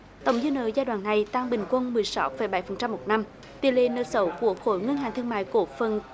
tổng dư nợ giai đoạn này tăng bình quân mười sáu phẩy bảy phần trăm một năm tỷ lệ nợ xấu của khối ngân hàng thương mại cổ phần